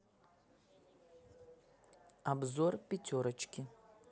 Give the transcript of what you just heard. обзор пятерочки